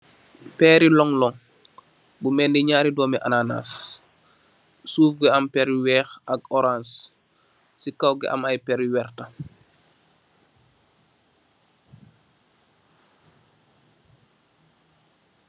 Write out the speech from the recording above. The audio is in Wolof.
Peeri long long, bu menii nyaari doomi ananas, suuf gi am peri weekh ak oraans, si kaw gi am aye peri werta.